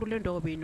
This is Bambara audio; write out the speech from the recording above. Ko ne dɔw bɛ yen